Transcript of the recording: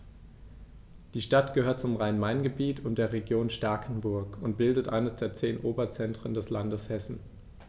Die Stadt gehört zum Rhein-Main-Gebiet und der Region Starkenburg und bildet eines der zehn Oberzentren des Landes Hessen.